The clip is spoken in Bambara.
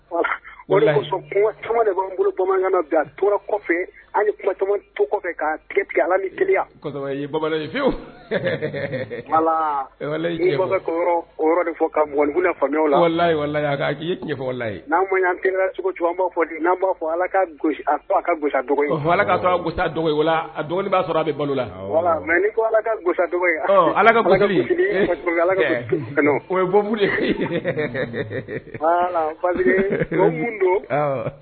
Tora kɔfɛ kɔfɛ ŋ' cogo b'a fɔ'a fɔ ala dɔgɔnin b'a sɔrɔ a bɛ balo